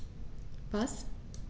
Was?